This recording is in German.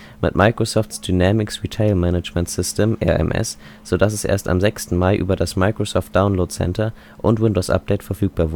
Dynamics Retail Management System (RMS), sodass es erst am 6. Mai über das Microsoft Download Center und Windows Update verfügbar